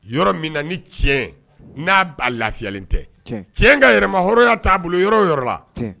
Yɔrɔ min na ni tiɲɛ n'a ba lafiyalen tɛ cɛn ka yɛlɛmama hya t'a bolo yɔrɔ yɔrɔ la